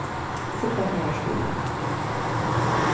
fuglafjarðar skúli